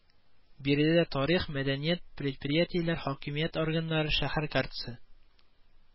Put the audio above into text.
Биредә тарих, мәдәният, предприятиеләр, хакимият органнары, шәһәр картасы